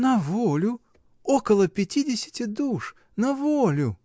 — На волю: около пятидесяти душ, на волю!